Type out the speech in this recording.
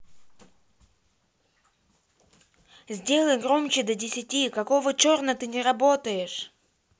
сделай громче до десяти какого черно ты не работаешь